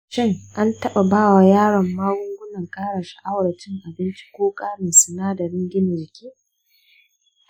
shin an taɓa ba wa yaron magungunan ƙara sha’awar cin abinci ko ƙarin sinadaran gina jiki?